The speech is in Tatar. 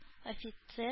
Офицер